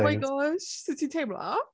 Oh my gosh sut ti'n teimlo?